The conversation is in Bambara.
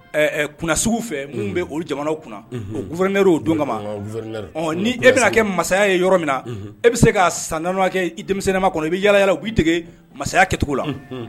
Kun sugu fɛ minnu bɛ jamana kunna frinkɛ don kama ni e bɛna kɛ masaya ye yɔrɔ min na e bɛ se k ka san kɛ i denmisɛnma kɔnɔ i bɛ yaala u' tigɛ mansaya kɛcogo la